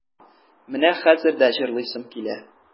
Менә хәзер дә җырлыйсым килә.